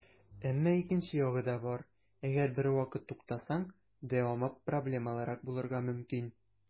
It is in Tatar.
Әмма икенче ягы да бар - әгәр бервакыт туктасаң, дәвамы проблемалырак булырга мөмкин.